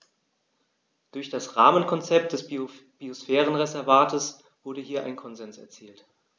Durch das Rahmenkonzept des Biosphärenreservates wurde hier ein Konsens erzielt.